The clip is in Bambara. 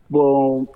Bon